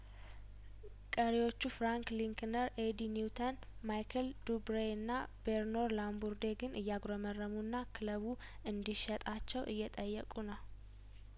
ቀሪዎቹ ፍራንክ ሲንክለር ኢዲ ኒውተን ማይክል ዱቤ ሪይእና ቤርናር ላምቡርዴ ግን እያጉረመረሙና ክለቡ እንዲሸ ጣቸው እየጠየቁ ነው